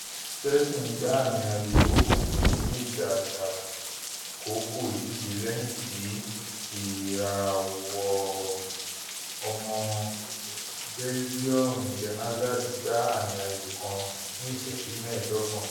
Chelsea ń gbá àmi ayò 1-0 ní ìdajì àkókò ìdíje lẹ́yìn tí ìràwọ̀ ọmọ Bẹlijiọmu Eden Hazard gbá àmi ayò kan ní ìṣẹ́jú mẹ́ẹ̀dọ́gbọ̀n.